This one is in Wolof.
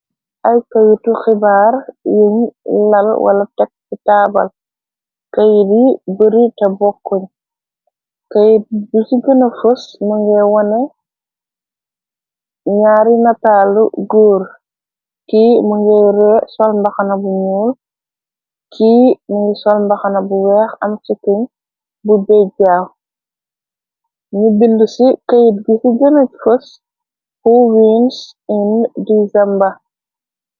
ay kayutu xibaar yuñ lal wala tekk ti taabal kayit yi bëri te bokkuñ kayit bi ci gëna fës më ngay wone ñaari nataalu gur ki ma ngay re solmbaxana bu ñuul ki mi ngi solmbaxana bu weex am cikiñ bu bejjaaw ni bind ci kayit gi ci gëna fos hu wiens in di zemba